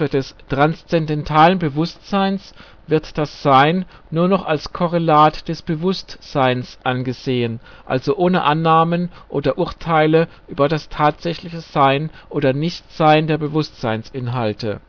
des transzendentalen Bewusstseins wird das Sein nur noch als Korrelat des Bewusst-Seins angesehen, ohne also Annahmen oder Urteile über das tatsächliche Sein oder Nicht-Sein der Bewusstseinsinhalte